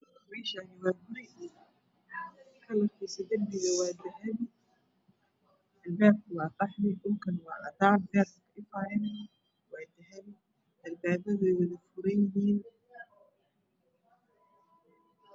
Meeshaani waa guri kalarkiisa darbiga waa dahabi albaabka waa qaxwi dhulkana waa cadaan leerka ifaayana waa dahabi albaabada way wada furanyihiin